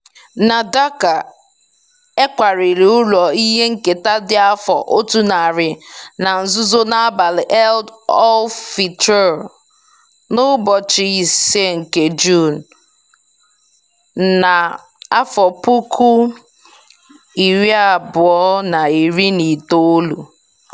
Na Dhaka, e kwariri ụlọ ihe nketa dị afọ otu narị na nzuzo n'abalị Eid-ul-Fitr n'ụbọchị 5 nke Juun, 2019.